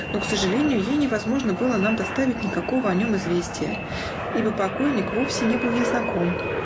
но, к сожалению, ей невозможно было нам доставить никакого о нем известия, ибо покойник вовсе не был ей знаком.